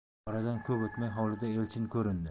oradan ko'p o'tmay hovlida elchin ko'rindi